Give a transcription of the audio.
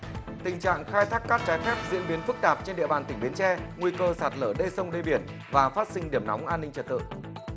tình trạng khai thác cát trái phép diễn biến phức tạp trên địa bàn tỉnh bến tre nguy cơ sạt lở đê sông đê biển và phát sinh điểm nóng an ninh trật tự